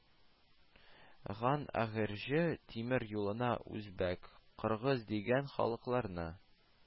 Ган әгерҗе тимер юлына үзбәк, кыргыз дигән халыкларны